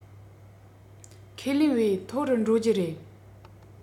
ཁས ལེན བས མཐོ རུ འགྲོ རྒྱུ རེད